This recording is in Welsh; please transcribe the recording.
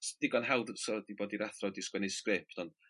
s- digon hawdd 'yso fo di bod i'r athro di sgwennu sgrip ond